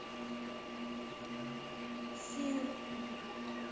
сил